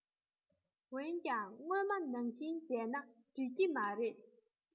འོན ཀྱང སྔོན མ ནང བཞིན བྱས ན འགྲིག གི མ རེད